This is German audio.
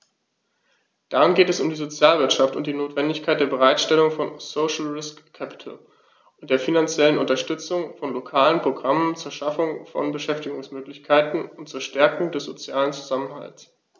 Darin geht es um die Sozialwirtschaft und die Notwendigkeit der Bereitstellung von "social risk capital" und der finanziellen Unterstützung von lokalen Programmen zur Schaffung von Beschäftigungsmöglichkeiten und zur Stärkung des sozialen Zusammenhalts.